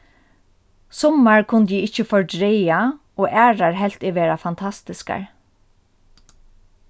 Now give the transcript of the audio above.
summar kundi eg ikki fordraga og aðrar helt eg vera fantastiskar